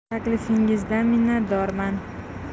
taklifingizdan minatdorman